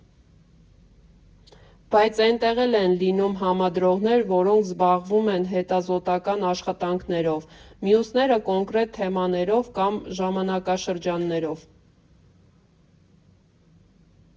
Բայց էնտեղ էլ լինում են համադրողներ, որոնք զբաղվում են հետազոտական աշխատանքներով, մյուսները՝ կոնկրետ թեմաներով կամ ժամանակաշրջաններով։